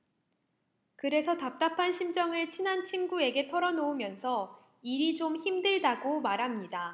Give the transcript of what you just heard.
그래서 답답한 심정을 친한 친구에게 털어놓으면서 일이 좀 힘들다고 말합니다